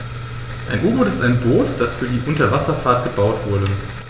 Ein U-Boot ist ein Boot, das für die Unterwasserfahrt gebaut wurde.